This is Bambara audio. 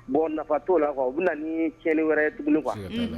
Bon nafa to la kuwa . O be na ni tiɲɛni wɛrɛ ye tuguni kuwa. Siga ta la. Unhun